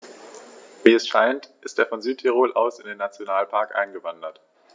Wie es scheint, ist er von Südtirol aus in den Nationalpark eingewandert.